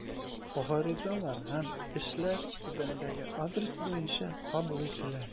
Гаризалар һәм эшләр түбәндәге адрес буенча кабул ителә.